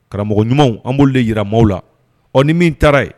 Karamɔgɔ ɲumanw an b'olu de yira maaw la ɔ ni min taara ye